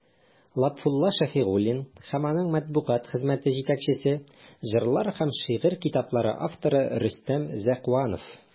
Лотфулла Шәфигуллин һәм аның матбугат хезмәте җитәкчесе, җырлар һәм шигырь китаплары авторы Рөстәм Зәкуанов.